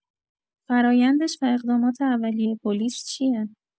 فرایندش و اقدامات اولیه پلیس چیه؟